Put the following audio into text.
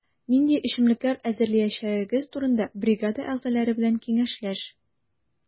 Нинди эчемлекләр әзерләячәгегез турында бригада әгъзалары белән киңәшләш.